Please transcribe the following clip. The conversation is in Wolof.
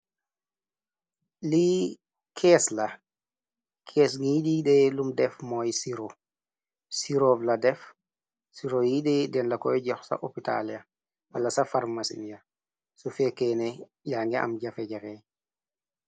Li kees la kees ngi di de lum def mooy ciro cirovla def ciroide den la koy jox ca opitaalia wala ca farmasinia su fekkeene yaa ngi am jafe jaxeey.